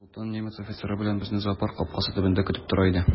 Солтан немец офицеры белән безне зоопарк капкасы төбендә көтеп тора иде.